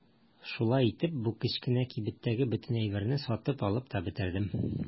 Шулай итеп бу кечкенә кибеттәге бөтен әйберне сатып алып та бетердем.